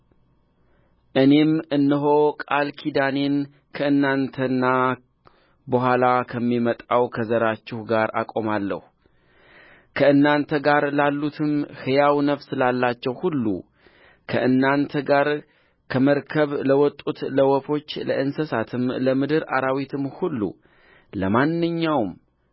እኔም እነሆ ቃል ኪዳኔን ከእናንተና በኋላ ከሚመጣው ከዘራችሁ ጋር አቆማለሁ ከእናንተ ጋር ላሉትም ሕያው ነፍስ ላላቸው ሁሉ ከእናንተ ጋር ከመርከብ ለወጡት ለወፎች ለእንስሳትም ለምድር አራዊትም ሁሉ ለማንኛውም